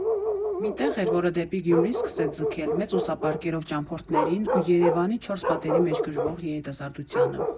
Մի տեղ էր, որը դեպի Գյումրի սկսեց ձգել մեծ ուսապարկերով ճամփորդներին ու Երևանի չորս պատերի մեջ գժվող երիտասարդությանը։